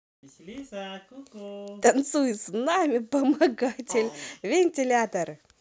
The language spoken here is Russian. танцуй с нами помогатель вентилятор